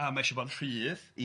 ...a mae eisiau bod yn rhydd... ia